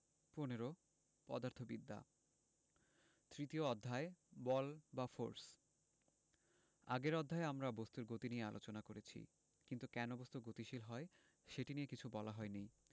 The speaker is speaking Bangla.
১৫ পদার্থবিদ্যা তৃতীয় অধ্যায় বল বা ফোরস আগের অধ্যায়ে আমরা বস্তুর গতি নিয়ে আলোচনা করেছি কিন্তু কেন বস্তু গতিশীল হয় সেটি নিয়ে কিছু বলা হয়নি